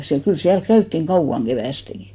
siellä kyllä siellä käytiin kauan keväästikin